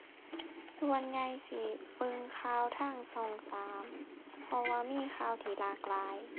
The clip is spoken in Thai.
ส่วนใหญ่สิเบิ่งข่าวทางช่องสาม เพราะว่ามีข่าวที่หลากหลาย